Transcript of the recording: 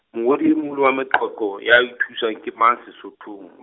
mongodi e moholo wa meqoqo ya I thuIso ke mang Sesothong?